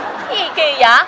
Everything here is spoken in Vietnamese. gì kì dả